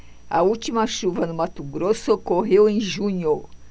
a última chuva no mato grosso ocorreu em junho